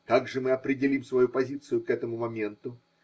Как же мы определим свою позицию к этому моменту?